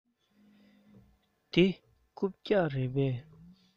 འདི རྐུབ བཀྱག རེད པས